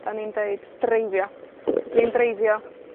'dan ni'n deud dreifio. So dwi'n dreifio.